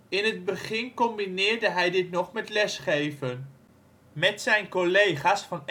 In het begin combineerde hij dit nog met lesgeven. Met zijn collega 's van